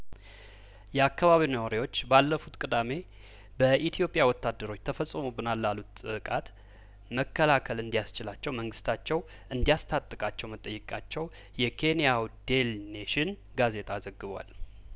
የአካባቢው ነዋሪዎች ባለፉት ቅዳሜ በኢትዮጵያ ወታደሮች ተፈጽሞብናል ላሉት ጥቃት መከላከል እንዲ ያስችላቸው መንግስታቸው እንዲያስ ታጥቃቸው መጠየቃቸው የኬንያው ዴልኔሽን ጋዜጣ ዘግቧል